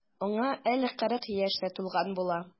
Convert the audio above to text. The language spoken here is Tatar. Аңа әле кырык яшь тә тулмаган була.